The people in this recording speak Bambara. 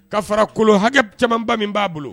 Ka fara kolon hakɛ camanba min b'a bolo